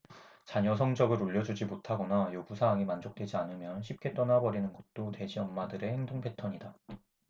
자녀 성적을 올려주지 못하거나 요구사항이 만족되지 않으면 쉽게 떠나 버리는 것도 돼지 엄마들의 행동 패턴이다